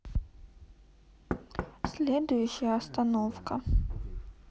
следующая остановка